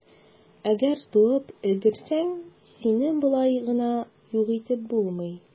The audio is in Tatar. Әгәр туып өлгерсәң, сине болай гына юк итеп булмый.